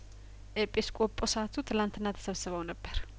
ኤጲስቆጶስቱ ትላንትና ተሰብስበው ነበር